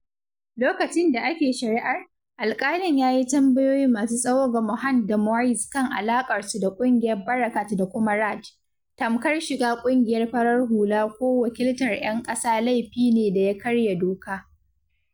Lokacin da ake shari’ar, alƙalin ya yi tambayoyi masu tsawo ga Mohand da Moez kan alaƙar su da ƙungiyar “Barakat!” da kuma RAJ, tamkar shiga ƙungiyar farar hula ko wakiltar ‘yan ƙasa laifi ne da ya karya doka.”